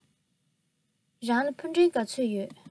རང ལ ཕུ འདྲེན ག ཚོད ཡོད